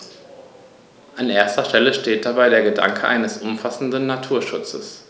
An erster Stelle steht dabei der Gedanke eines umfassenden Naturschutzes.